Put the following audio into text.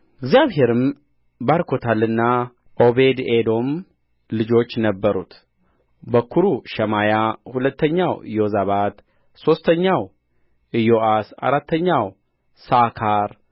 እግዚአብሔርም ባርኮታልና ዖቤድኤዶም ልጆች ነበሩት በኵሩ ሸማያ ሁለተኛው ዮዛባት ሦስተኛው ኢዮአስ አራተኛው ሣካር